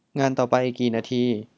งานต่อไปอีกกี่นาที